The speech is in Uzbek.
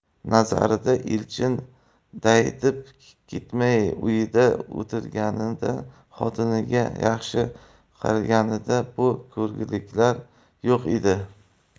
nazarida elchin daydib ketmay uyida o'tirganida xotiniga yaxshi qaraganida bu ko'rgiliklar yo'q edi